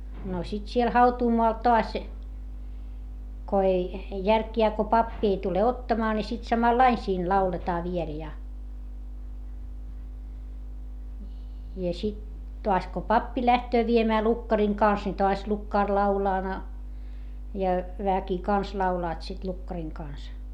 no sitten siellä hautuumaalla taas kun ei järkiään kun pappi ei tule ottamaan niin sitten samalla lailla siinä lauletaan vielä ja ja sitten taas kun pappi lähtee viemään lukkarin kanssa niin taas lukkari laulaa na ja väki kanssa laulavat sitten lukkarin kanssa